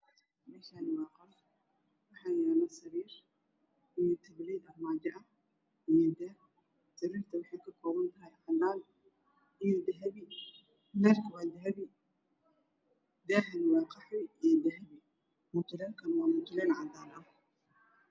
Meeshaani waa qol waxaa yaalo sariir iyo tawleed armaajo ah. Sariirtu waxay ka kooban tahay cadaan iyo dahabi, leyrka waa dahabi, daahana waa qaxwi iyo dahabi, mutuleelkana waa cadaan.